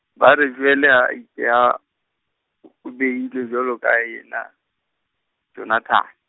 ba re Joele ha a ipeha, o behilwe jwalo ka yena, Jonathane.